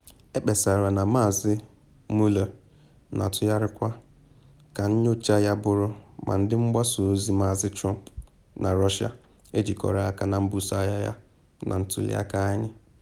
Ekpesara na Maazị Mueller na atụgharịkwa ka nyocha ya bụrụ ma ndị mgbasa ozi Maazị Trump na Russia ejikọrọ aka na mbuso agha ya na ntuli aka anyị.